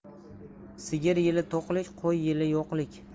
sigir yili to'qlik qo'y yili yo'qlik